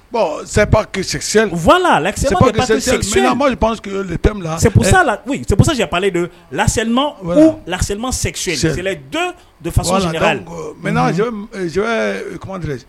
Bon c'est pas que ceux / celle, voilà l'harcelement n'est pas toujours sexuel , pourquoi j'ai parlé de l'harcelement ou l'harcelement sexuel, les deux de façon generale, maintenant je vais Comment dirai-je Comment.